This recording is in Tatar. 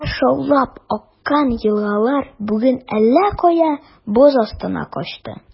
Кичә шаулап аккан елгалар бүген әллә кая, боз астына качты.